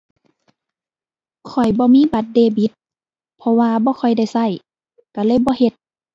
ข้อยบ่มีบัตรเดบิต เพราะว่าบ่ค่อยได้ใช้ใช้เลยบ่เฮ็ด